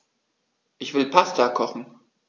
Ich will Pasta kochen.